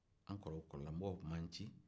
an kɔrɔlamɔgɔw tun b'a ci